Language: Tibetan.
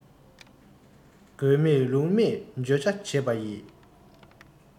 དགོས མེད ལུགས མེད བརྗོད བྱ བྱེད པ ཡི